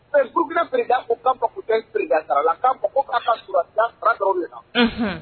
Mɛ kuere ko kan sara la' ka suda de na